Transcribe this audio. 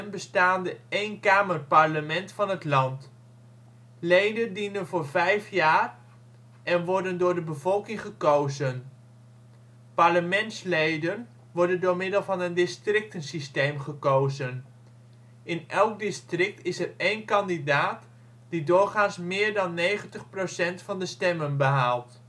bestaande eenkamerparlement van het land. Leden dienen voor vijf jaar en worden door de bevolking gekozen. Parlementsleden worden door middel van een districtensysteem gekozen. In elk district is er één kandidaat, die doorgaans meer dan 90 % van de stemmen behaalt